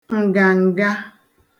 ǹgàǹga